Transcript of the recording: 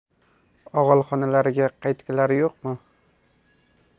og'ilxonalariga qaytgilari yo'qmi